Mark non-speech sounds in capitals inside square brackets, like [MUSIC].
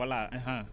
voilà [HESITATION] [HESITATION]